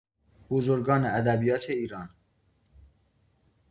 بزرگان ادبیات ایران